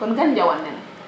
kon gan njawan nene